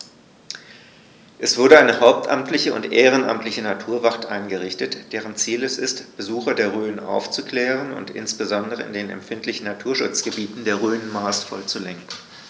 Es wurde eine hauptamtliche und ehrenamtliche Naturwacht eingerichtet, deren Ziel es ist, Besucher der Rhön aufzuklären und insbesondere in den empfindlichen Naturschutzgebieten der Rhön maßvoll zu lenken.